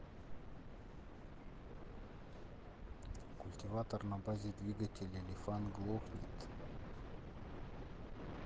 культиватор на базе двигателя лифан глохнет